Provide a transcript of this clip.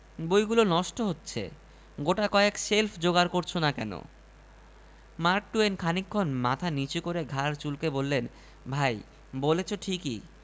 দোকানদার এটা দেখায় সেটা শোঁকায় এটা নাড়ে সেটা কাড়ে কিন্তু গরবিনী ধনীর উভয়ার্থে কিছুই আর মনঃপূত হয় না